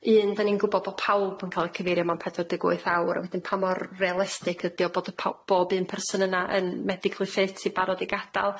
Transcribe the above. Un dan ni'n gwbo bo' pawb yn ca'l y cyfeirio mewn pedwar deg wyth awr a wedyn pa mor realistig ydi o bod y pow- bob un person yna yn medically fit i barod i gadal.